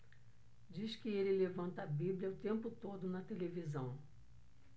diz que ele levanta a bíblia o tempo todo na televisão